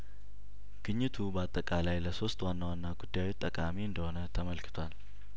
ግኝቱ ባጠቃላይ ለሶስት ዋና ዋና ጉዳዮች ጠቃሚ እንደሆነ ተመልክቷል